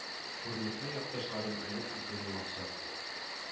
Күренекле якташларын әлеп итүне максат